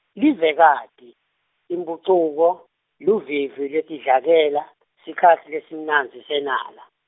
Livekati, Imphucuko, Luvivi lwetidlakela , sikhatsi lesimnandzi senala.